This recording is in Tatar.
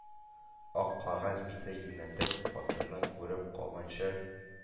Ак кәгазь бите юнәтеп, хатыны күреп калганчы,